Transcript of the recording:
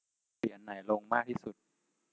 เหรียญไหนลงมากที่สุด